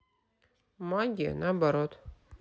магия наоборот